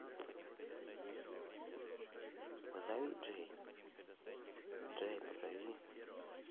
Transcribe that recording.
позови джей